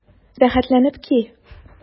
Рәхәтләнеп ки!